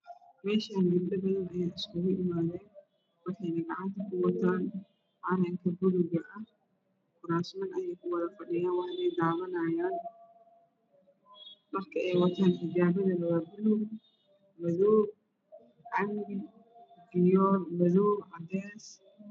Meshan gabdho badan aya iskugu imade waxy gacnta ku watan calanka baluuga ah kuraasman ayey ku wada fadhiyan weyna dawanayan dharka ay watan xijapaduna waa baluug madoow cambi iyo madow cadees